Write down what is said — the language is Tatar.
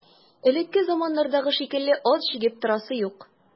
Элекке заманнардагы шикелле ат җигеп торасы юк.